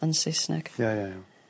yn Saesneg. Ie ie iawn.